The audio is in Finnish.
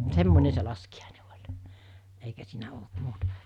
semmoinen se laskiainen oli eikä siinä ollut muuta